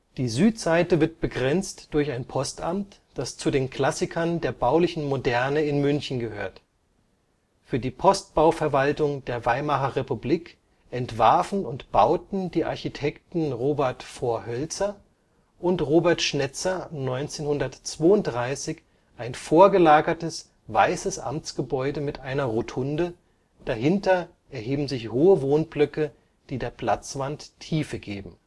Die Südseite wird begrenzt durch ein Postamt, das zu den Klassikern der baulichen Moderne in München gehört. Für die Postbauverwaltung der Weimarer Republik entwarfen und bauten die Architekten Robert Vorhoelzer und Robert Schnetzer 1932 ein vorgelagertes weißes Amtsgebäude mit einer Rotunde, dahinter erheben sich hohe Wohnblöcke, die der Platzwand Tiefe geben